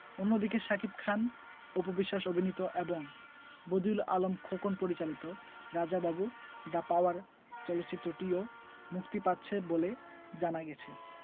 অন্যদিকে শাকিব খান অপু বিশ্বাস অভিনীত এবং বদিউল আলম খোকন পরিচালিত রাজা বাবু দ্যা পাওয়ার চলচ্চিত্রটিও মুক্তি পাচ্ছে বলে জানা গেছে